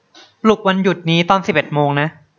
ปลุกวันหยุดนี้ตอนสิบเอ็ดโมงนะ